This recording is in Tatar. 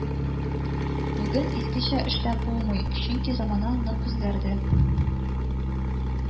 Бүген искечә эшләп булмый, чөнки замана нык үзгәрде